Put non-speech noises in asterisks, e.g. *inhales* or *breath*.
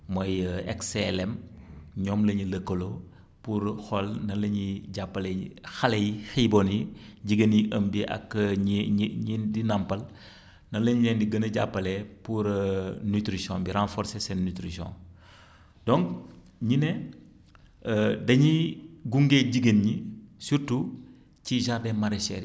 mooy *hesitation* ex CLM *inhales* ñoom la ñu lëkkaloo pour xool nan la ñuy jàppalee xale yi xiibon yi *inhales* jigéen yi ëmb yi ak *hesitation* ñi ñi ñi di nàmpal *breath* nan la ñu leen di gën a jàppalee pour *hesitation* nutrition bi renforcer seen nutrition *breath* donc ñu ne *hesitation* dañuy gunge jigéen ñi surtout ci jardin maraichers yi